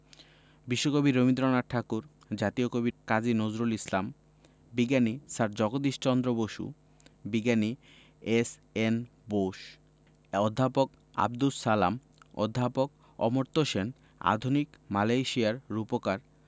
বিশ্বকবি রবীন্দ্রনাথ ঠাকুর জাতীয় কবি কাজী নজরুল ইসলাম বিজ্ঞানী স্যার জগদীশ চন্দ্র বসু বিজ্ঞানী এস.এন বোস অধ্যাপক আবদুস সালাম অধ্যাপক অমর্ত্য সেন আধুনিক মালয়েশিয়ার রূপকার